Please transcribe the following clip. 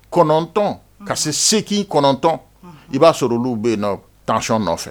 Kɔnɔntɔn ka se segintɔn i b'a sɔrɔ olu bɛ yen nɔn tati nɔfɛ